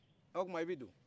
o tuma bɛ don